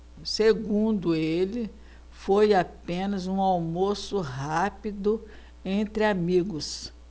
segundo ele foi apenas um almoço rápido entre amigos